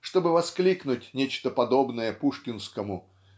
чтобы воскликнуть нечто подобное пушкинскому